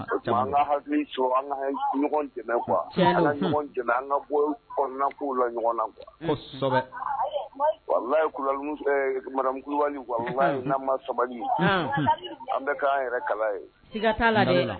Q tuma an ka hakili to an ka ɲɔgɔn dɛmɛ quoi tiɲɛdon hun an ka ɲɔgɔn an ka bɔ kɔɔna kow la ɲɔgɔn na quoi unhun kosɛbɛ walayi Kulibalimus ɛɛ madame Kulibali walay n'an i ma sabali unn unhun an bɛ kɛ an yɛrɛ kala ye siga taala dɛ n dalen o la